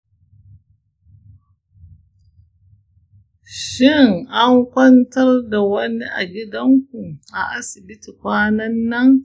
shin an kwantar da wani a gidanku a asibiti kwanan nan?